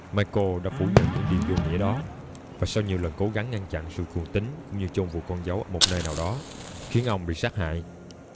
michael đã phủ nhận những điều vô nghĩa đó và sau nhiều lần cố gắng ngăn chặn sự cuồng tín cũng như chôn vùi con dấu ở một nơi nào đó khiến ông bị sát hại